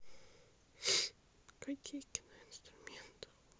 котейки на инструментах